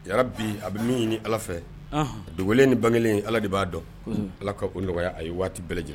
Jara bi a bɛ min ɲini ni ala fɛ dogolen ni bange kelen ala de b'a dɔn ala ka o nɔgɔya a ye waati bɛɛ lajɛlen